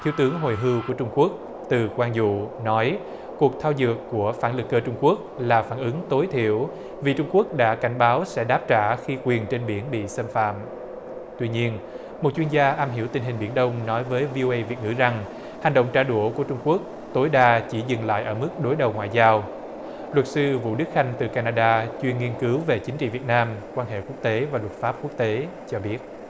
thiếu tướng hồi hưu của trung quốc từ quang dụ nói cuộc thao dượt của phản lực cơ trung quốc là phản ứng tối thiểu vì trung quốc đã cảnh báo sẽ đáp trả khi quyền trên biển bị xâm phạm tuy nhiên một chuyên gia am hiểu tình hình biển đông nói với vi ô ây việt ngữ rằng hành động trả đũa của trung quốc tối đa chỉ dừng lại ở mức đối đầu ngoại giao luật sư vũ đức khanh từ ca na đa chuyên nghiên cứu về chính trị việt nam quan hệ quốc tế và luật pháp quốc tế cho biết